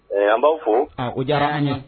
Ɛɛ yan b'a fo u diyara an ye